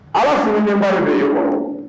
Allah funulenba de do e kɔrɔ